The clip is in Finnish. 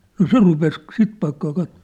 no se rupesi sitä paikkaa katsomaan